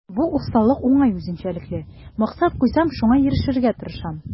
Бу усаллык уңай үзенчәлекле: максат куйсам, шуңа ирешергә тырышам.